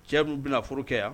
Cɛ min bɛna foro kɛ yan